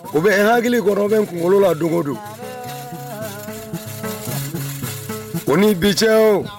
U bɛ hakiliki kɔrɔ bɛ kunkolo la don o don o ni bi ce o